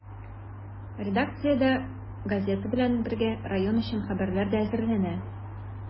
Редакциядә, газета белән бергә, район өчен радио хәбәрләре дә әзерләнә.